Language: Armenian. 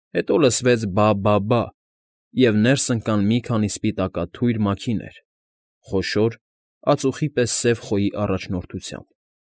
Հետո լսվեց «բա՜֊բա՜֊բա՜», և ներս ընկան մի քանի սպիտակաթույր մաքիներ՝ խոշոր, ածուխի պես սև խոյի առաջնորդությամբ։